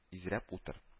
Изрәп утыр…